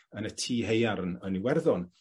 yn y tŷ haearn yn Iwerddon.